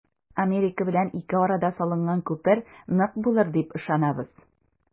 Америка белән ике арада салынган күпер нык булыр дип ышанабыз.